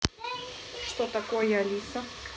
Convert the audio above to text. что такое алиса